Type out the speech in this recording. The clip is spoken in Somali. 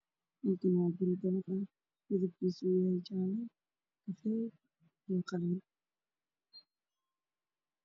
Halkaan waa guri midabkiisa yahay jaale daaqado ayuu leeyahy